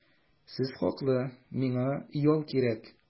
Сез хаклы, миңа ял кирәк.